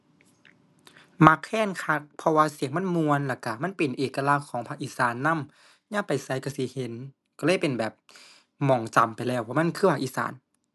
มักแคนคักเพราะว่าเสียงมันม่วน แล้วก็มันเป็นเอกลักษณ์ของภาคอีสานนำ ยามไปไสก็สิเห็น ก็เลยเป็นแบบหม้องจำไปแล้ว ว่ามันคือภาคอีสาน